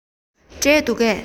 འབྲས འདུག གས